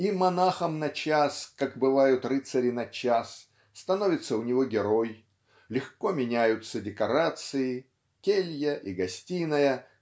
И монахом на час, как бывают рыцари на час, становится у него герой легко меняются декорации келья и гостиная